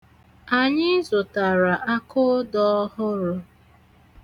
Anyị zụtara akoodo ọhụrụ.